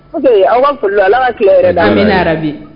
Parce aw ka folila ala ka tile yɛrɛda min ara bi